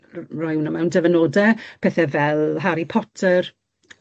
rho- roi hwnna mewn dyfynodau, pethe fel Harry Potter.